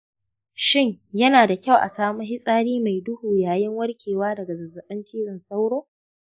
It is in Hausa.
shin yana da kyau a samu fitsari mai duhu yayin warkewa daga zazzabin cizon sauro